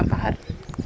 yam faxar